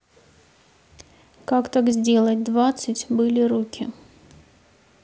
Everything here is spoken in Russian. как так сделать двадцать были руки